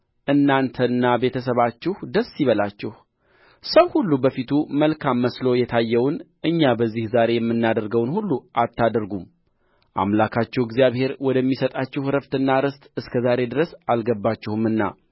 እናንተና ቤተሰባችሁ ደስ ይበላችሁ ሰው ሁሉ በፊቱ መልካም መስሎ የታየውን እኛ በዚህ ዛሬ የምናደርገውን ሁሉ አታደርጉም አምላካችሁ እግዚአብሔር ወደሚሰጣችሁ ዕረፍትና ርስት እስከ ዛሬ ድረስ አልገባችሁምና